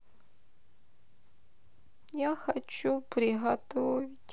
я хочу приготовить